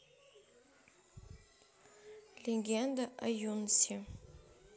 легенда о юнси